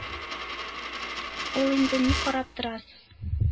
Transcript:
Ул инде: «Ни карап торасыз?»